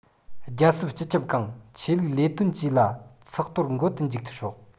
རྒྱལ སྲིད སྤྱི ཁྱབ ཁང ཆོས ལུགས ལས དོན ཅུའུ ལ ཚགས ཐོར འགོད དུ འཇུག ཆོག